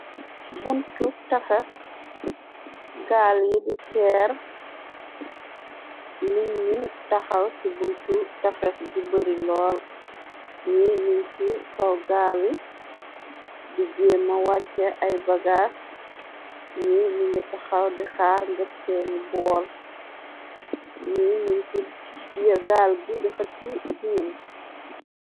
Buntu tafes, gaal yi di teer niñ ni taxaw ci buntu tafes bi bari lool. Ni nin ci kaw gaali di géema wàcce ay bagaas, ñi ni ngi taxaw di xaar ngëp seeni bool, ñi niñ ci gaal bi di xechii buum.